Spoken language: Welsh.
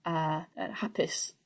a yy hapus.